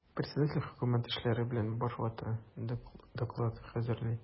Председатель хөкүмәт эшләре белән баш вата, доклад хәзерли.